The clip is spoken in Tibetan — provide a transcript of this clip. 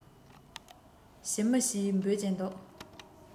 ཞི མི ཞེས འབོད ཀྱིན འདུག